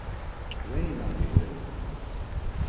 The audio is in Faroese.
reynavegur